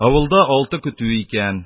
Авылда алты көтү икән.